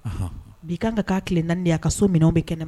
Bi kan ka k'a tile naani de ye a ka so minɛnw bɛ kɛnɛma.